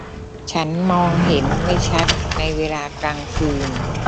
ฉันมองเห็นไม่ชัดในเวลากลางคืน